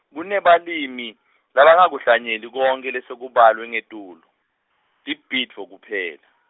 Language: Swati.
Kunebalimi, labangakuhlanyeli konkhe losekubalwe ngetulu, tibhidvo kuphela.